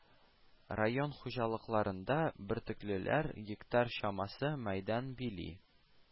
Район хуҗалыкларында бөртеклеләр гектар чамасы мәйдан били